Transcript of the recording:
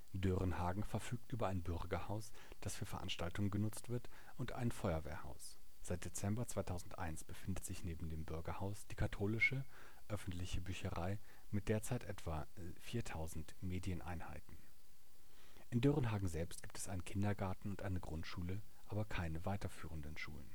Dörenhagen verfügt über ein Bürgerhaus, das für Veranstaltungen genutzt wird, und ein Feuerwehrhaus. Seit Dezember 2001 befindet sich neben dem Bürgerhaus die Katholische öffentliche Bücherei mit derzeit etwa 4000 Medieneinheiten. In Dörenhagen selbst gibt es einen Kindergarten und eine Grundschule, aber keine weiterführenden Schulen